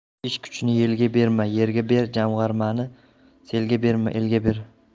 ish kuchini yelga berma yerga ber jamg'armani selga berma elga ber